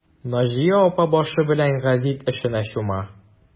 Наҗия апа башы белән гәзит эшенә чума.